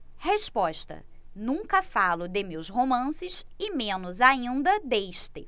resposta nunca falo de meus romances e menos ainda deste